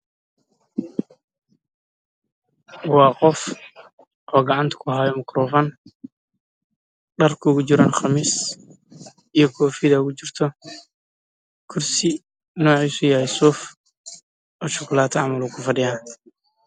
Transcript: Waa nin qamiis caddaan ah wati